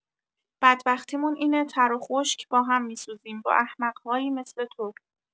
بدبختی‌مون اینه‌تر و خشک با هم می‌سوزیم با احمق‌هایی مثل تو